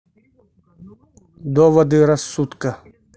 доводы рассудка